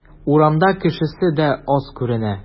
Урамда кешесе дә аз күренә.